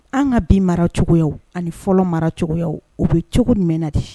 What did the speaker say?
An ka bin maracogo ani fɔlɔ maracogo u bɛ cogo jumɛn na de